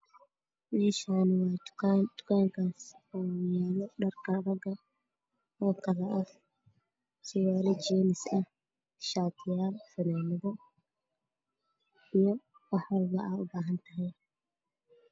Meeshaan waa tukaan waxaa yaalo dharka raga oo kala ah surwaalo jeemis ah, shaatiyaal, fanaanado.